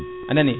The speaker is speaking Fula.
anani